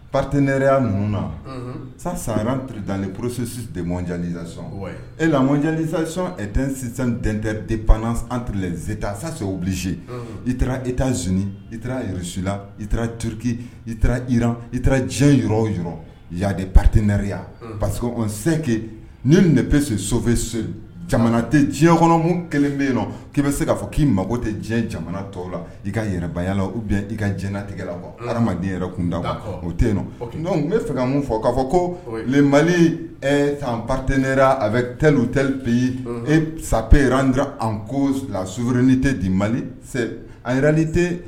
Pat n nereya ninnu na san sanra tirid porosisi dediyaanizsason e lamɔdiyaanizsason et sisan ntte de pan antilaeta sase bilisise i e zoni i sila i tiki iran i diɲɛ yɔrɔ de pate nereya parce seke ni de bɛ sofɛ jamana tɛ diɲɛ kɔnɔmu kelen bɛ yen k'i bɛ se k'a fɔ k'i mago tɛ diɲɛ jamana tɔw la i ka yɛrɛbayayala u bɛn i ka diɲɛɲɛna tigɛ la ha adamaden yɛrɛ kunda o tɛ yen nɔn tun bɛ fɛ ka mun fɔ k'a fɔ ko le mali san pat ne a bɛ t te bi e saprand an ko la suyrin tɛ di mali se an tɛ